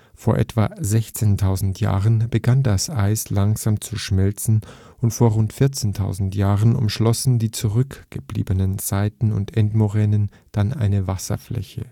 Vor etwa 16.000 Jahren begann das Eis langsam zu schmelzen und vor rund 14.000 Jahren umschlossen die zurückgebliebenen Seiten - und Endmoränen dann eine Wasserfläche